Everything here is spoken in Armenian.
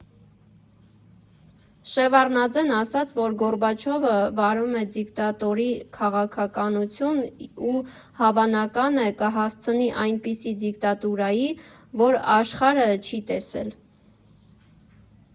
Շևարդնաձեն ասաց, որ Գորբաչովը վարում է դիկտատորի քաղաքականություն, ու հավանական է կհասցնի այնպիսի դիկտատուրայի, որ աշխարհը չի տեսել։